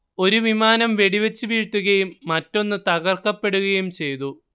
ഒരു വിമാനം വെടിവെച്ചു വീഴ്ത്തുകയും മറ്റൊന്ന് തകർക്കപ്പെടുകയും ചെയ്തു